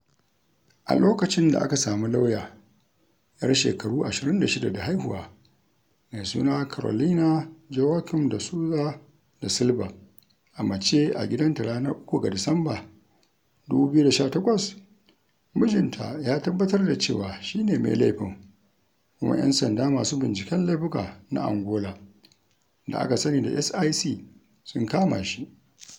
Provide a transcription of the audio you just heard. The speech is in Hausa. A lokacin da aka sami lauya 'yar shekaru 26 da haihuwa mai suna Carolina Joaquim de Sousa da Silva a mace a gidanta ranar 3 ga Disamba 2018, mijinta ya tabbatar da cewa shi ne mai laifin kuma 'yan sanda masu binciken laifuka na Angola da aka sani da SIC sun kama shi.